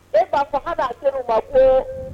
E t'a fɔ hal'a teriw ma ko